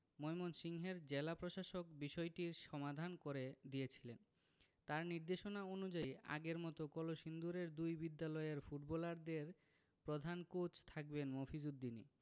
ময়মনসিংহের জেলা প্রশাসক বিষয়টির সমাধান করে দিয়েছিলেন তাঁর নির্দেশনা অনুযায়ী আগের মতো কলসিন্দুরের দুই বিদ্যালয়ের ফুটবলারদের প্রধান কোচ থাকবেন মফিজ উদ্দিনই